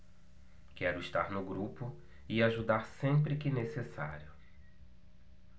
quero estar no grupo e ajudar sempre que necessário